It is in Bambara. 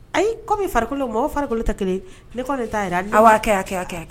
Ayi kɔ bɛ farikolokolo mɔgɔ farikolokolo tɛ kelen ne kɔ de ta jira a' kɛ' kɛ' kɛ